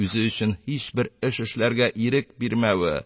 Үзе өчен һичбер эш эшләргә ирек бирмәве